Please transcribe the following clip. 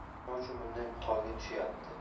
nima uchun bunday holga tushyapti